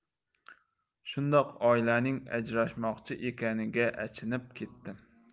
shundoq oilaning ajrashmoqchi ekaniga achinib ketdim